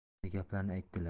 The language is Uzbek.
shunday gaplarni aytdilar